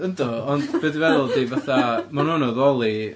Yndw ond be dwi'n feddwl... ...ydy fatha mae nhw'n addoli...